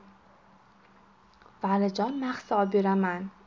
valijon maxsi oberaman